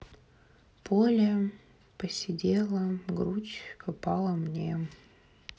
поле посидела грудь попала мне